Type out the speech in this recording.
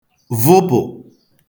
vụpụ